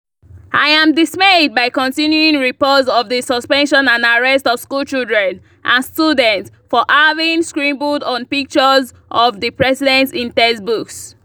I am dismayed by continuing reports of the suspension and arrest of schoolchildren and students for having scribbled on pictures of the president in textbooks.